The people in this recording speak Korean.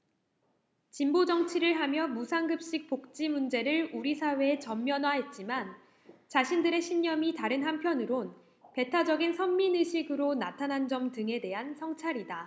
진보정치를 하며 무상급식 복지 문제를 우리 사회에 전면화했지만 자신들의 신념이 다른 한편으론 배타적인 선민의식으로 나타난 점 등에 대한 성찰이다